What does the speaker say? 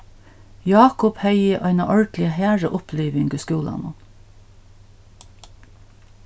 jákup hevði eina ordiliga harða uppliving í skúlanum